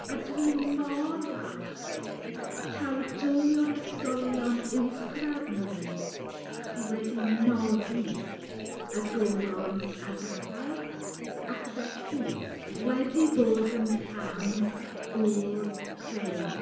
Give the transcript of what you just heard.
A dwi mor falch taw dwy o'n ysgolion uwchradd ni sydd wedi noddi y goron a'r gadair ac felly wedi bod yn rhan o'r creu.